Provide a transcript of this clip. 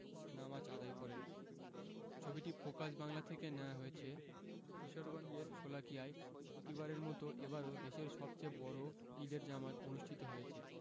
নামাজ আদায় করেন ছবিটি ফোকাস বাংলা থেকে নেয়া হয়েছে কিশোরগঞ্জের শোলাকিয়ায় প্রতিবারের মতো এবারও দেশের সবচেয়ে বড় ঈদের জামাত অনুষ্ঠিত হয়েছে